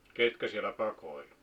ketkä siellä pakoili